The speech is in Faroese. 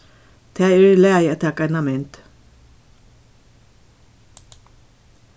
tað er í lagi at taka eina mynd